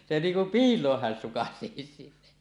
se niin kuin piiloon hän sukaisisi